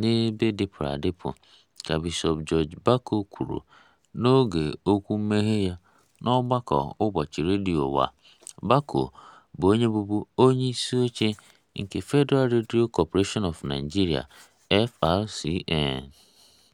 n'ebe dịpụrụ adịpụ... ka Bishọp George Bako kwuru, n'oge okwu mmeghe ya na ogbako ụbọchị redio ụwa. Bako bụ onye bụbu onye isi oche nke Federal Radio Corporation of Nigeria (FRCN).